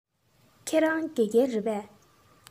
ཁྱེད རང དགེ རྒན རེད པས